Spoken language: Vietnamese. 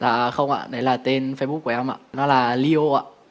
dạ không ạ đấy là tên phây búc của em ạ nó là li ô ạ